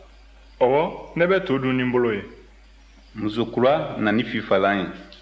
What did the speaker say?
musokura na ni fifalan ye